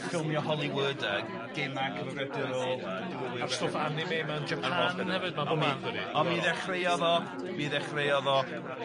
...ffilmio Hollywood a gêmau cyfrifiadurol a ... A- a'r stwff anime ma' yn Japan hefyd ma'n bob man dydi. Diddorol. On' mi ddechreuodd o mi ddechreuodd o